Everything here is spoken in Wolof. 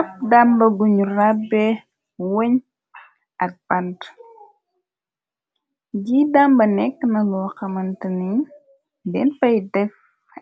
Ab dàmba guñu rabbe woñ ak bant ji damba nekk naloo hamantaniñ denn fay def